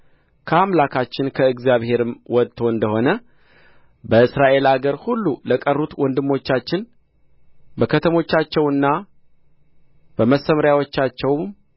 ከአምላካችን ከእግዚአብሔርም ወጥቶ እንደ ሆነ በእስራኤል አገር ሁሉ ለቀሩት ወንድሞቻችን በከተሞቻቸውና በመሰምሪያዎቻቸውም